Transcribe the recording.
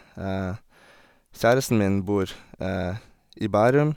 Kjæresten min bor i Bærum.